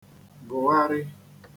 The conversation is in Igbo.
gụgharī